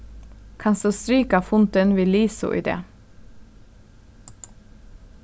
kanst tú strika fundin við lisu í dag